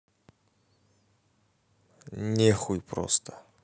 нехуй просто